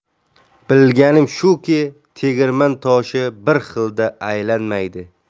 bilganim shuki tegirmon toshi bir xilda aylanmaydi